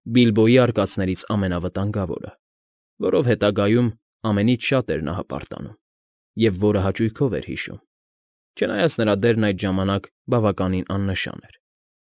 Բիլբոյի արկածներից ամենավտանգավորը, որով հետագայում ամենից շատ էր նա հպարտանում և որը հաճույքով էր հիշում, չնայած նրա դերն այդ ժամանակ բավականին աննշան էր։